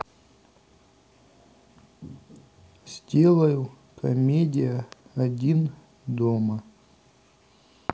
сделаю комедия один дома